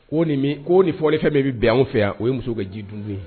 Ko ni fɔlifɛn dɔ bɛ bɛn an fɛ yan o ye musow ka jidundun ye.